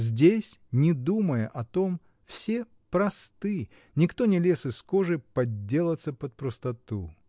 здесь, не думая о том, все просты, никто не лез из кожи подделаться под простоту.